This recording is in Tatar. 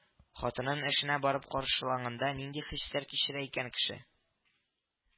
Хатынын эшенә барып каршылаганда нинди хисләр кичерә икән кеше